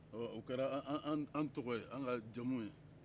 ɔ o kɛra an tɔgɔ ye an ka jamu ye